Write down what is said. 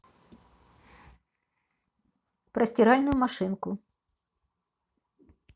про стиральную машинку